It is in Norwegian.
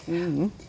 ja.